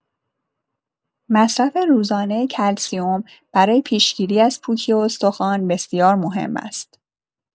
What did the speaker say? مصرف روزانه کلسیم برای پیش‌گیری از پوکی استخوان بسیار مهم است.